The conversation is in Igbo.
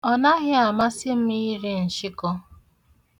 Ọ naghị amasị m iri nshịkọ.